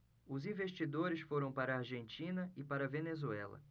os investidores foram para a argentina e para a venezuela